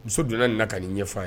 Muso donna na ka nin ɲɛfɔ ye